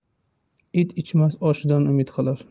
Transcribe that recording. it ichmas oshidan umid qilar